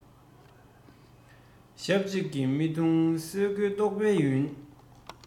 ཞག གཅིག གི རྨི ཐུང སེ གོལ གཏོག པའི ཡུན